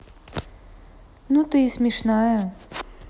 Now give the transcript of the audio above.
ну и ты смешная